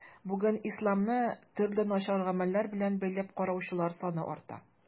Бүген исламны төрле начар гамәлләр белән бәйләп караучылар саны арта.